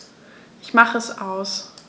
Ich mache es aus.